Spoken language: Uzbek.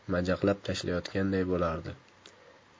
majaqlab tashlayotganday bo'lardi